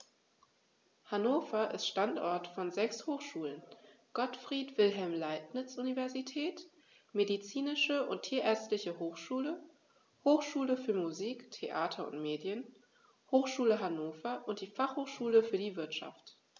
Hannover ist Standort von sechs Hochschulen: Gottfried Wilhelm Leibniz Universität, Medizinische und Tierärztliche Hochschule, Hochschule für Musik, Theater und Medien, Hochschule Hannover und die Fachhochschule für die Wirtschaft.